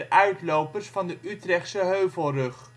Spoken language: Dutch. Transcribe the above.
uitlopers van de Utrechtse Heuvelrug